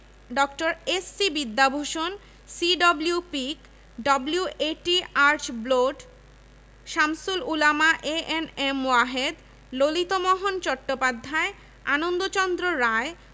ড. S C. Vidyabhushan C W. Peake W A T. Archbold Shamsul Ulama A N M Wahed Lalitmohan Chattopadhyay Anandachandra রায়